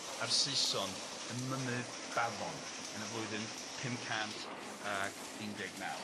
a'r Saeson yn Mynydd Baddon yn y flwyddyn pum cant ac un deg naw.